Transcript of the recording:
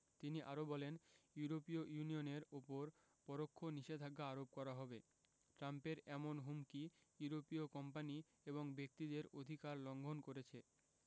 তিনি আরও বলেন ইউরোপীয় ইউনিয়নের ওপর পরোক্ষ নিষেধাজ্ঞা আরোপ করা হবে ট্রাম্পের এমন হুমকি ইউরোপীয় কোম্পানি এবং ব্যক্তিদের অধিকার লঙ্ঘন করেছে